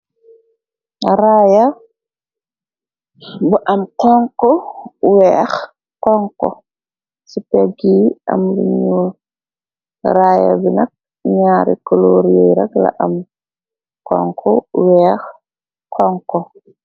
Raaya bu am xonxo weex xonxo ci pegg yi am lu nuul raya binak ñaari coloor yuy rag la am xonxo weex xonxo.